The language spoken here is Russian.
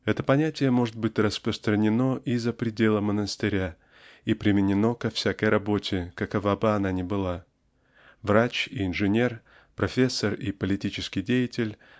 Это понятие может быть распространено и за пределы монастыря и применено ко всякой работе какова бы она ни была. Врач и инженер профессор и политический деятель